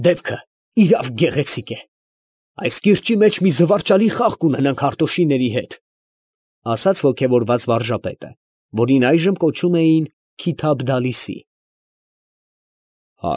Դեպքը, իրավ, գեղեցիկ է, այս կիրճի մեջ մի զվարճալի խաղ կունենանք Հարտոշիների հետ, ֊ ասաց ոգևորված վարժապետը, որին այժմ կոչում էին Քիթաբ֊Դալիսի։ ֊